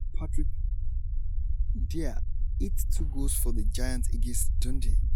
Patrick Dwyer hit two goals for the Giants against Dundee